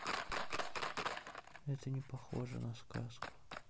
это не похоже на сказку